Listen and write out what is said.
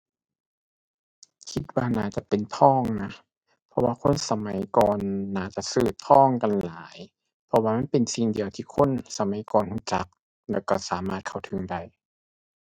คิดว่าน่าจะเป็นทองนะ เพราะว่าคนสมัยก่อนน่าจะซื้อทองกันหลาย เพราะว่ามันเป็นสิ่งเดียวที่คนสมัยก่อนรู้จัก แล้วก็สามารถเข้าถึงได้